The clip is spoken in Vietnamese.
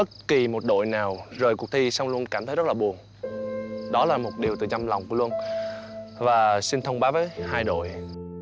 bất kỳ một đội nào rời cuộc thi song luôn cảm thấy rất là buồn đó là một điều từ trong lòng của luân và xin thông báo với hai đội